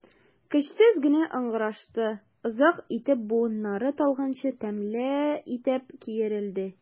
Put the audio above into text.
Көчсез генә ыңгырашты, озак итеп, буыннары талганчы тәмле итеп киерелде.